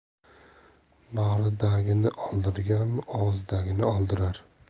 bag'ridagini oldirgan og'zidagini oldirar